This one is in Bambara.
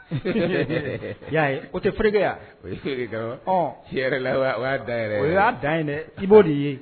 Y'a ye, o tɛ ferke ye wa? Awɔ, Ɔn! O y'a dan ye. I yɛrɛ la o y'a dan ye. I b'o de ye.